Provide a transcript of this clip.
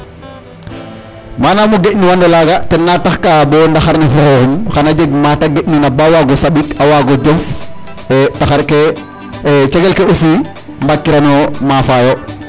Mmanam o geƴnuwan olaaga ten na taxka bo ndaxar ne fo xooxum xan a jeg ma ta geƴnuna ba waag o saɗik, a waago jof e taxar ke e cegel ke aussi mbaagkiran o maafaayo.